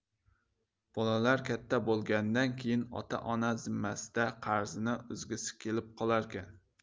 bolalar katta bo'lgandan keyin ota ona zimmasidagi qarzini uzgisi kelib qolarkan